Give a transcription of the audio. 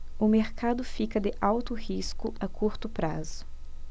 o mercado fica de alto risco a curto prazo